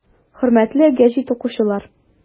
Хөрмәтле гәзит укучылар!